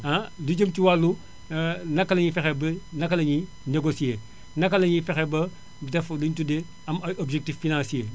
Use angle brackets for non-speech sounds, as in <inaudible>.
<hesitation> di jëm ci wàllu <hesitation> naka lañuy fexee ba naka lañuy négocié naka lañuy fexee ba def li ñu tuddee am ay objectif financier